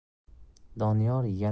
doniyor yana ancha